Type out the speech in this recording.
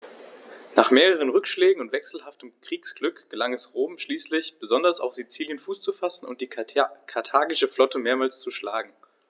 Nach mehreren Rückschlägen und wechselhaftem Kriegsglück gelang es Rom schließlich, besonders auf Sizilien Fuß zu fassen und die karthagische Flotte mehrmals zu schlagen.